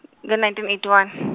ngo- nineteen eighty one .